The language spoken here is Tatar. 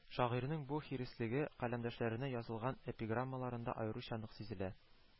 Шагыйрьнең бу хиреслеге каләмдәшләренә язылган эпиграммаларында аеруча нык сизелә